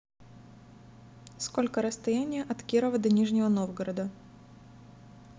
сколько расстояние от кирова до нижнего новгорода